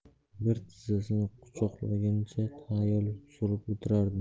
bir tizzasini quchoqlaganicha xayol surib o'tirardi